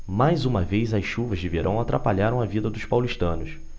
mais uma vez as chuvas de verão atrapalharam a vida dos paulistanos